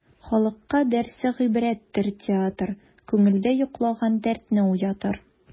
Халыкка дәрсе гыйбрәттер театр, күңелдә йоклаган дәртне уятыр.